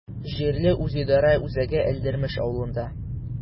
Җирле үзидарә үзәге Әлдермеш авылында.